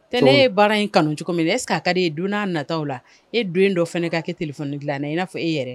T ne baara in kanu cogo min de e k'a ka di ye dunan nata la e don dɔ fana ka kɛ tilef dilan na i n'a fɔ e yɛrɛ